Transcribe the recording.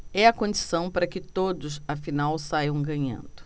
é a condição para que todos afinal saiam ganhando